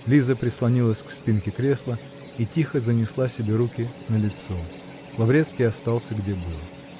Лиза прислонилась к спинке кресла и тихо занесла себе руки на лицо Лаврецкий остался, где был.